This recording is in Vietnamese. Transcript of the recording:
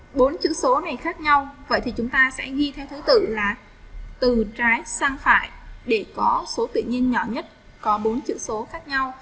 bốn chữ số này khác nhau vậy thì chúng ta sẽ ghi theo thứ tự là từ trái sang phải để có số tự nhiên nhỏ nhất có chữ số khác nhau